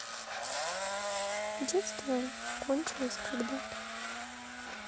детство кончилось когда то